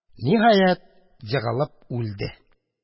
Ниһаять, егылып үлде.